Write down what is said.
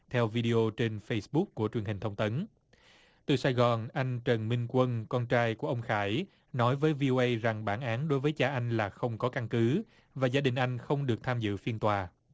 theo vi đi ô trên phây búc của truyền hình thông tấn từ sài gòn anh trần minh quân con trai của ông khải nói với vi ô ây rằng bản án đối với cha anh là không có căn cứ và gia đình anh không được tham dự phiên tòa